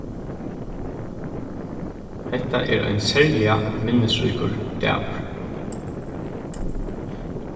hetta er ein serliga minnisríkur dagur